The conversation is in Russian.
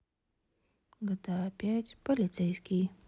гта пять полицейский